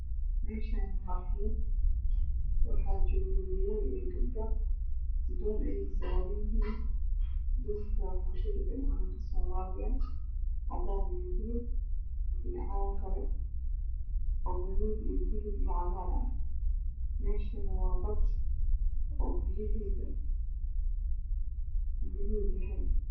Meshaani waa badan waxaa joogo wilal iyo gabdho Doon ayey saran yihiin daoonta waxaa ku dhahgn calnka somaliyo cadaan iyo baluug iyo calan kale meshsan waa bad piyaheedu oo buluug yayahy